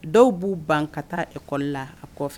Dɔw b'u ban ka taa ekɔli la a kɔfɛ